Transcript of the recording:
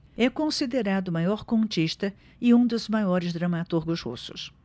é considerado o maior contista e um dos maiores dramaturgos russos